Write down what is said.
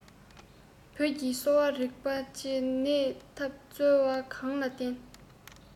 བོད ཀྱི གསོ བ རིགས པས ནད བཅོས ཐབས གཙོ བོ གང ལ བརྟེན